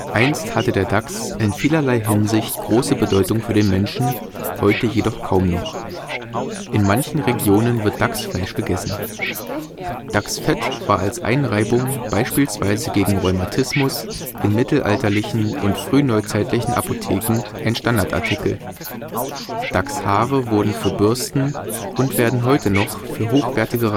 Einst hatte der Dachs in vielerlei Hinsicht große Bedeutung für den Menschen, heute jedoch kaum noch. In manchen Regionen wird Dachsfleisch gegessen. Dachsfett war als Einreibung beispielsweise gegen Rheumatismus in mittelalterlichen und frühneuzeitlichen Apotheken ein Standardartikel (offizinell). Dachshaare wurden für Bürsten und werden noch heute für hochwertige Rasierpinsel